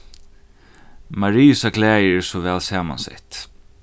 mariusa klæðir eru so væl samansett